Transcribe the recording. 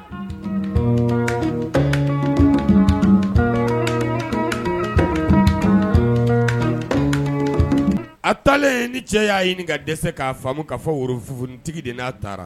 A taa ni cɛ y'a ɲini ka dɛsɛse k'a faamu k'a fɔ worof kunnafoniuntigi de n'a taara